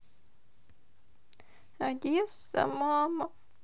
одесса мама